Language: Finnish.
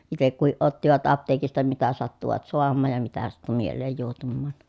itse kukin ottivat apteekista mitä sattuivat saamaan ja mitä sattui mieleen juohtumaan